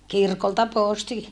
kirkolta posti